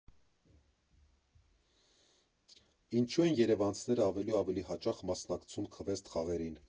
Ինչու են երևանցիները ավելի ու ավելի հաճախ մասնակցում քվեսթ֊խաղերին։